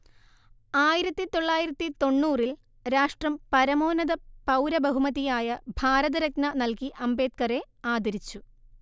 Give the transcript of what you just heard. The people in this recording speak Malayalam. ആയിരത്തിൽ തൊള്ളായിരത്തിൽ രാഷ്ട്രം പരമോന്നത പൗരബഹുമതിയായ ഭാരതരത്ന നല്കി അംബേദ്കറെ ആദരിച്ചു